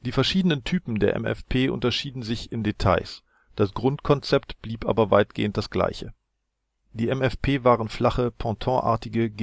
verschiedenen Typen der MFP unterschieden sich in Details. Das Grundkonzept blieb aber weitgehend das gleiche. Die MFP waren flache pontonartige